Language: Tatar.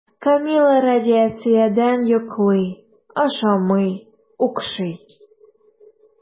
Камилла радиациядән йоклый, ашамый, укшый.